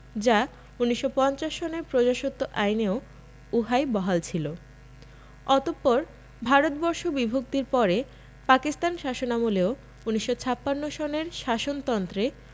যা ১৯৫০ সনের প্রজাস্বত্ব আইনেও উহাই বহাল ছিল অতপর ভারতবর্ষ বিভক্তির পরে পাকিস্তান শাসনামলেও ১৯৫৬ সনের শাসনতন্ত্রে